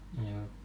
joo